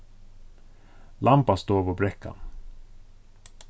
lambastovubrekkan